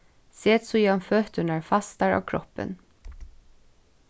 set síðan føturnar fastar á kroppin